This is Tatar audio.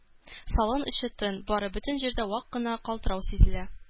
Салон эче тын, бары бөтен җирендә вак кына калтырау сизелә